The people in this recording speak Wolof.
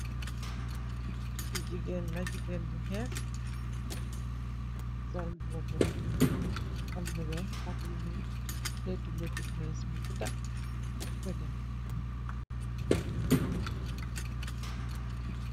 Gigeen la , gigeen bu xees sol mbub bu am lu wèèx ak lu ñuul lèttu més bu gudda sagë.